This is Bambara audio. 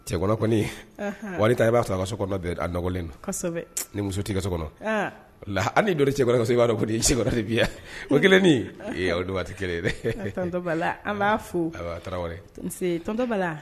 Cɛ kɔni waati ta i b'a sɔrɔ a ka so kɔnɔ bɛɛ a dɔgɔninlen na ni muso' i ka so kɔnɔ la ani don cɛ b'a dɔn fɔ i si di bi ko kelen o kelena fo